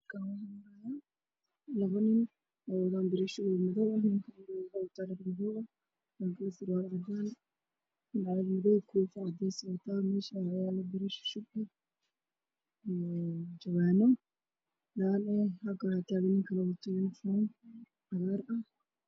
Meeshaan oo meel guri sar ah oo ay ka socoto dhismo waxaa joogta lama nin waxay isla wadaan bira dhaadheer wayna socdaan